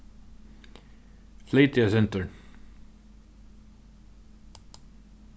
flyt teg eitt sindur